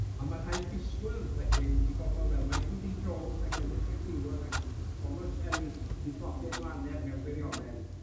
On' ma' rhaid disgwyl wedyn i bobol fel Michael D. Jones ac Emrys ap Iwan ac Thomas Ellis i godi'r faner mewn gwirionedd,